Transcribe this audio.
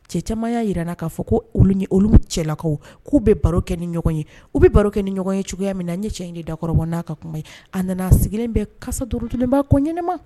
Cɛ caman y'a jira na k'a fɔ ko olu ni olu cɛlakaw k'u bɛ baro kɛ ni ɲɔgɔn ye u bɛ baro kɛ ni ɲɔgɔn ye cogoya min na n ye cɛ in de dakɔrɔbɔ n'a ka kuma ye, a nana a sigilen bɛɛ kasa duruntulen b'a kɔ ɲɛnama